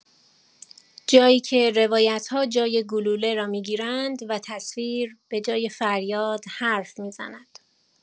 جایی که روایت‌ها جای گلوله را می‌گیرند و تصویر، به‌جای فریاد، حرف می‌زند.